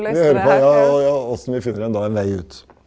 vi hører på ja og ja og åssen vi finner en da en vei ut.